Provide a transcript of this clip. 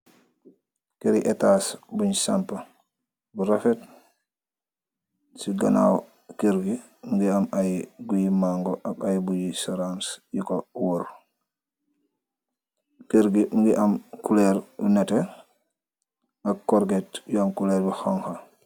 Keuri estas bun sampa bu refet si ganaw keur bi mogi aam ay guiyi mango ak ay guiyi soranc yu ko worr keur bi mogi aam colur bu neteh ak korget yu aam colur bu xonxa.